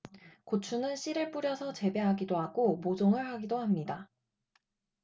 고추는 씨를 뿌려서 재배하기도 하고 모종을 하기도 합니다